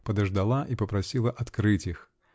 подождала и попросила открыть их.